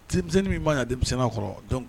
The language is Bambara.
Denmisɛnninni min' denmisɛnnin kɔrɔ